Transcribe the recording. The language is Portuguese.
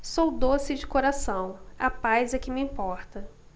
sou doce de coração a paz é que me importa